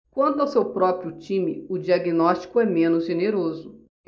quanto ao seu próprio time o diagnóstico é menos generoso